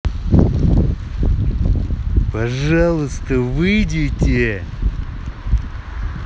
пожалуйста выйдите